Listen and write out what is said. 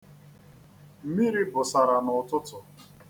Mmiri bụsara n'ụtụtụ.